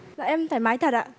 dạ em thoải mái thật ạ